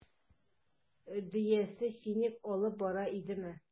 Дөясе финик алып бара идеме?